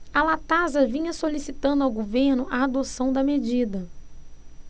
a latasa vinha solicitando ao governo a adoção da medida